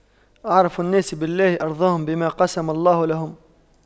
أعرف الناس بالله أرضاهم بما قسم الله له